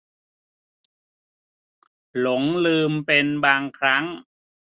หลงลืมเป็นบางครั้ง